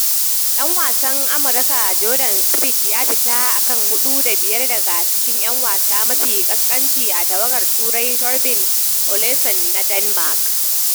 Dan wasan Amurka Jordan Spieth ya fita akan 5&4 daga cikin 'yan wasa mafi ƙasƙanci a tawagar Turai, Thorbjorn Olesen na Denmark.